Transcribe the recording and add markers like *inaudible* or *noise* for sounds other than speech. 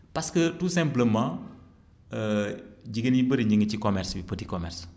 parce que tout simplement *hesitation* jigéen yu bëri ñu ngi ci commerce bi petit commerce